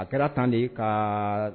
A kɛra tan de ka